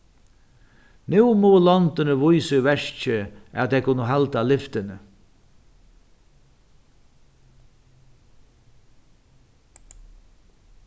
nú mugu londini vísa í verki at tey kunnu halda lyftini